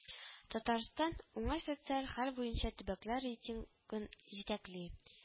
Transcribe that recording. Татарстан уңай социаль хәл буенча төбәкләр рейтин